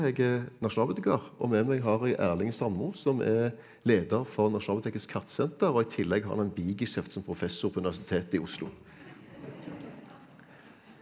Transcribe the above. jeg er nasjonalbibliotekar og med meg har jeg Erling Sandmo som er leder for Nasjonalbibliotekets kartsenter og i tillegg har han en bigeskjeft som professor på Universitet i Oslo.